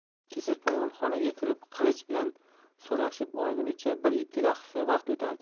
kesakpolvon xonaga kirib qilich bilan so'rashib olgunicha bir ikki daqiqa vaqt o'tadi